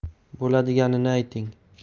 bo'ladiganini ayting